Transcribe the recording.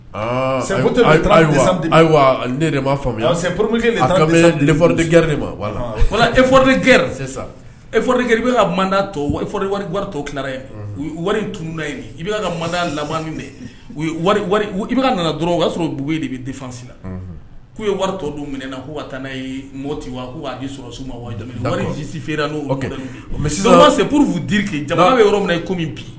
Ayiwa ne'a faamuyaoro g de ma e g e i bɛ ka wari waritɔ kira yen u wari tunda i bɛ ka manden la wari i nana dɔrɔn o y' sɔrɔ bugu de bɛ difasi la k'u ye wari tɔ don minɛ na'u ka taa' ye mɔti wa sɔrɔ suma jisi feere n' mɛsi sepurfuriki jaba bɛ yɔrɔ min ye ko bɛ bi